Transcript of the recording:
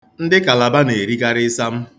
Ndị Kalaba na-erikarị ịsam.